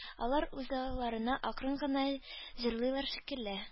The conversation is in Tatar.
Алар үз алларына акрын гына җырлыйлар шикелле